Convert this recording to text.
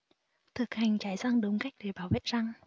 thực hành chải răng đúng cách để bảo vệ răng